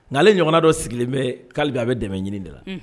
Nka ale ɲɔgɔnna dɔ sigilen bɛ k'ale bi a bɛ dɛmɛ ɲini de la